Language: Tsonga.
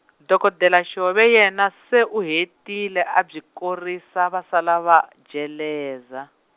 dokodela Xiove yena se u hetile a byi korisa va sala va jeleza.